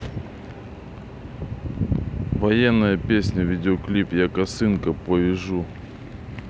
военная песня видеоклип я косынку повяжу